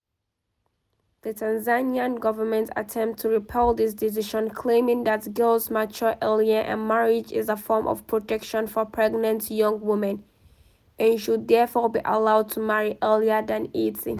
The Tanzanian government attempted to repeal this decision, claiming that girls mature earlier and marriage is a form of protection for pregnant young women, and should, therefore, be allowed to marry earlier than 18.